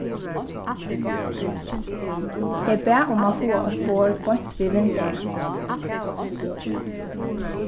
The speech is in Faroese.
eg bað um at fáa eitt borð beint við vindeygað